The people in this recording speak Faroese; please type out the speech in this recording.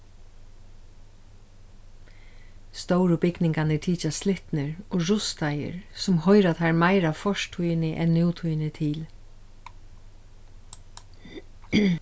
stóru bygningarnir tykjast slitnir og rustaðir sum hoyra teir meira fortíðini enn nútíðini til